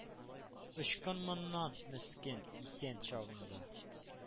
Ычкын моннан, мескен, исән чагыңда.